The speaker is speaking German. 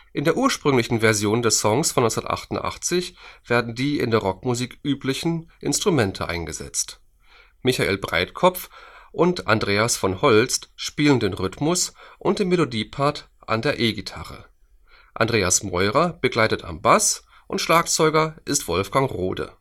In der ursprünglichen Version des Songs von 1988 werden die in der Rockmusik üblichen Instrumente eingesetzt. Michael Breitkopf und Andreas von Holst spielen den Rhythmus - und den Melodiepart an der E-Gitarre, Andreas Meurer begleitet am Bass, und Schlagzeuger ist Wolfgang Rohde